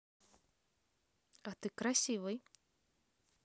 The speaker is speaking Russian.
а ты красивый